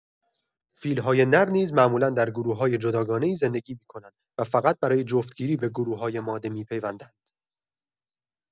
فیل‌های نر نیز معمولا در گروه‌های جداگانه‌ای زندگی می‌کنند و فقط برای جفت‌گیری به گروه‌های ماده می‌پیوندند.